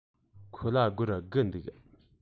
ཁོ ལ སྒོར དགུ འདུག